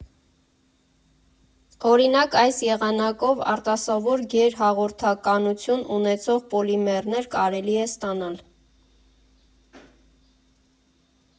Օրինակ, այս եղանակով արտասովոր գերհաղորդականություն ունեցող պոլիմերներ կարելի է ստանալ։